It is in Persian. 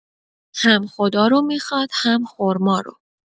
هم خدا رو میخواد هم خرمارو